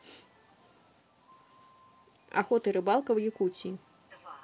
охота и рыбалка в якутии